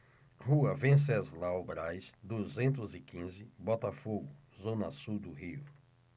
rua venceslau braz duzentos e quinze botafogo zona sul do rio